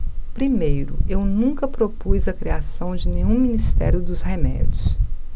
primeiro eu nunca propus a criação de nenhum ministério dos remédios